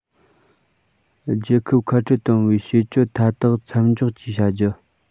རྒྱལ ཁབ ཁ ཕྲལ གཏོང བའི བྱེད སྤྱོད མཐའ དག མཚམས འཇོག བཅས བྱ རྒྱུ